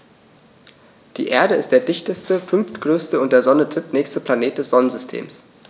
Die Erde ist der dichteste, fünftgrößte und der Sonne drittnächste Planet des Sonnensystems.